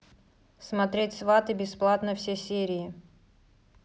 смотреть сваты бесплатно все серии